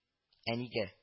— ә нигә